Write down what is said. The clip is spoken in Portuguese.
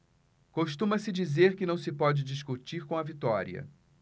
costuma-se dizer que não se pode discutir com a vitória